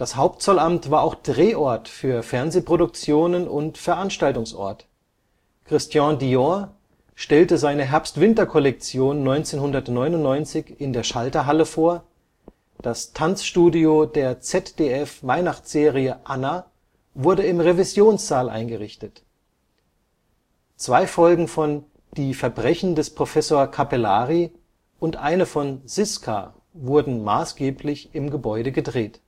Hauptzollamt war auch Drehort für Fernsehproduktionen und Veranstaltungsort: Christian Dior stellte seine Herbst -/ Winter-Kollektion 1999 in der Schalterhalle vor, das Tanzstudio der ZDF-Weihnachtsserie Anna wurde im Revisionssaal eingerichtet, zwei Folgen von Die Verbrechen des Professor Capellari und eine von Siska wurden maßgeblich im Gebäude gedreht